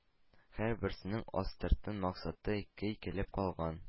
Һәрберсенең астыртын максаты – көй көйләп калган